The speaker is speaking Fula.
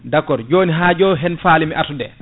d' accord joni ha jo hen falimi artude